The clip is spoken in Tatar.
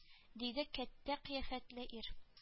Диде кәттә кыяфәтле ир